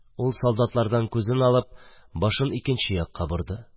Ул, солдатлардан күзен алып, башын икенче якка борды